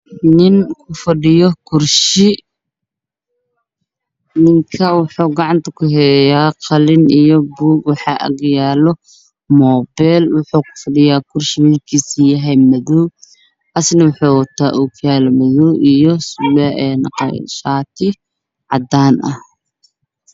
Nin fadhiyo kursi ninka wuxuu gacanta ku hayaa qalin iyo buuk waxaa magaalo mobell wuxuu ku fadhiyaa kursi midab kiisu yahay madoow asna wuxuu wataa okiyaalo madoow iyo shaati cadaan ah